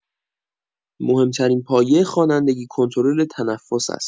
مهم‌ترین پایه خوانندگی، کنترل تنفس است.